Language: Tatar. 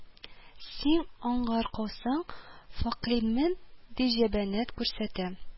Син аңар калсаң: фәкыйрьмен, ди, җәбанәт күрсәтә